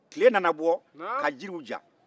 tile nana bɔ ka jiriw ja